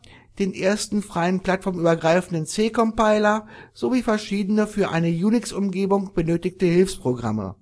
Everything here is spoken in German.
den ersten freien plattformübergreifenden C-Compiler (heute gcc) sowie verschiedene für eine Unix-Umgebung benötigte Hilfsprogramme